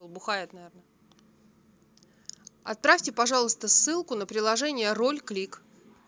отправьте пожалуйста ссылку на приложение роль крик